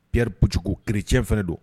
Pri- kiiricfɛ don